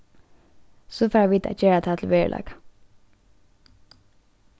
so fara vit at gera tað til veruleika